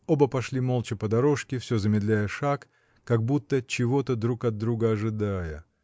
Оба пошли молча по дорожке, всё замедляя шаг, как будто чего-то друг от друга ожидая.